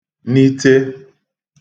-nite